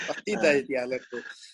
Os tin deud ia Lerpwl.